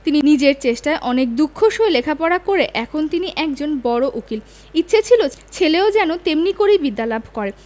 নিজের চেষ্টায় অনেক দুঃখ সয়ে লেখাপড়া করে এখন তিনি একজন বড় উকিল ইচ্ছে ছিল ছেলেও যেন তেমনি করেই বিদ্যা লাভ করে